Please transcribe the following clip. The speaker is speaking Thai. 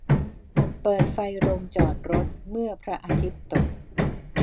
เปิดไฟโรงจอดรถเมื่อพระอาทิตย์ตก